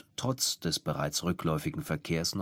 trotz des bereits rückläufigen Verkehrs